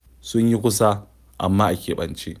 Sun yi kusa, amma a keɓance